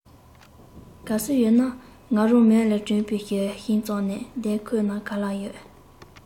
གལ སྲིད ཡོད ན ང རང མལ ས དྲོན མོ ཞིག བཙལ ནས བསྡད ཁོམ ག ལ ཡོད